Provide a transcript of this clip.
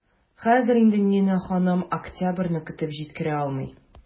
Хәзер инде Нина ханым октябрьне көтеп җиткерә алмый.